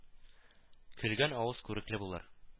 Көлгән авыз күрекле булыр